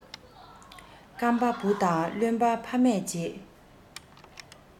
སྐམ པ བུ དང རློན པ ཕ མས བྱེད